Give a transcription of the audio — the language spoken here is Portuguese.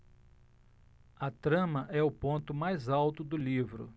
a trama é o ponto mais alto do livro